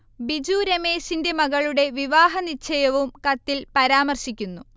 ബിജു രമേശിന്റെ മകളുടെ വിവാഹ നിശ്ചയവും കത്തിൽ പരാമർശിക്കുന്നു